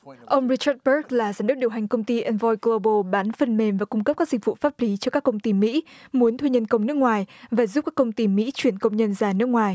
ông ri trớt bớt là giám đốc điều hành công ty en voi côm bô bán phần mềm và cung cấp các dịch vụ pháp lý cho các công ty mỹ muốn thuê nhân công nước ngoài về giúp các công ty mỹ chuyển công nhân ra nước ngoài